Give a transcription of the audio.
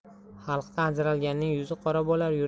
xalqdan ajralganning yuzi qora bo'lar